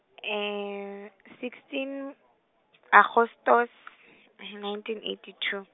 sixteen, Agostose, nineteen eighty two.